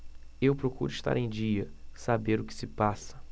eu procuro estar em dia saber o que se passa